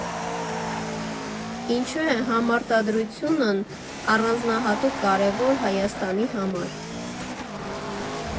Ինչու է համարտադրությունն առանձնահատուկ կարևոր Հայաստանի համար։